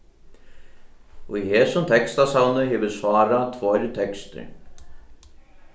í hesum tekstasavni hevur sára tveir tekstir